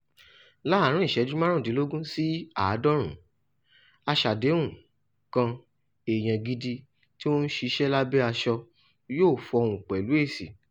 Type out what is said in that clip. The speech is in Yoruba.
Láàárín ìṣẹ́jú 15 sí 90, "aṣèdáhùn" kan (èèyàn gidi tí ó ń ṣiṣẹ́ lábẹ́ aṣọ) yóò fọhùn pẹ̀lú èsì.